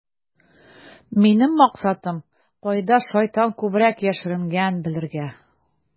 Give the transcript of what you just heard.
Минем максатым - кайда шайтан күбрәк яшеренгәнен белергә.